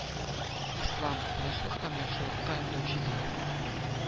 ИСЛАМ - ТЫНЫЧЛЫК ЬӘМ ЯХШЫЛЫККА ӨНДӘҮЧЕ ДИН